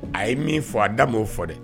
A ye min fɔ a da m'o fɔ dɛ